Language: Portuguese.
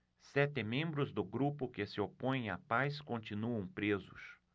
sete membros do grupo que se opõe à paz continuam presos